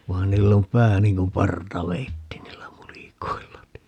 vaan niillä on pää niin kuin partaveitsi niillä mulikoilla -